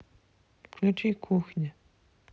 включи кухня